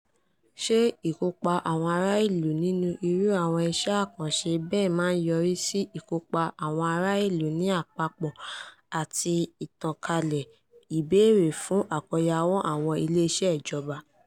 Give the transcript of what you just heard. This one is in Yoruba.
Ṣe ìkòpa àwọn ará-ìlú nínú irú àwọn iṣẹ́ àkànṣe bẹ́ẹ̀ máa ń yọrí sí ìkópa àwọn ará-ìlú ní àpapọ̀ àti ìtànkálẹ̀ ìbéèrè fún àkóyawọ́ àwọn ilé-iṣẹ́ ìjọba?